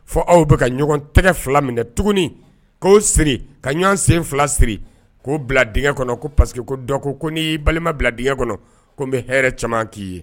Fɔ aw bɛ ka ɲɔgɔn tɛgɛ fila minɛ tuguni k'o siri ka ɲɔgɔn sen fila siri k'o bila d kɔnɔ ko pa que ko dɔ ko ko n'i'i balima bila dgɛ kɔnɔ ko n bɛ hɛrɛ caman k'i ye